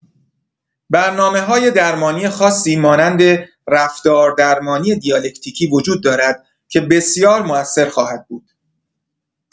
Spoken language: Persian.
برنامه‌‌های درمانی خاصی مانند رفتاردرمانی دیالکتیکی وجود دارد که بسیار موثر خواهد بود.